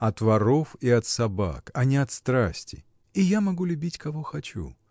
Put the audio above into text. — От воров и от собак — а не от страсти! — И я могу любить кого хочу?